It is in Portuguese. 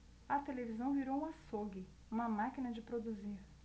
a televisão virou um açougue uma máquina de produzir